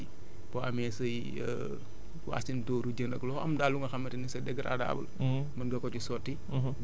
boo amee sa ndox sotti ci boo amee say waasintuuru jën ak loo am daal lu nga xamante ni c' est dégradable